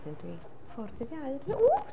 A wedyn dwi ffwrdd dydd Iau. W!